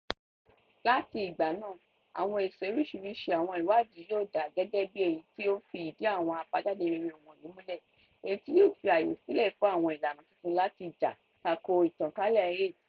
Láti ìgbà náà, àwọn èsì oríṣiríṣi àwọn ìwádìí yóò dà gẹ́gẹ́ bíi èyí tí ó ń fi ìdí àwọn àbájáde rere wọ̀nyí múlẹ̀, èyí tí yóò fi àyè sílẹ̀ fún àwọn ìlànà tuntun láti jà tako ìtànkálẹ̀ AIDS.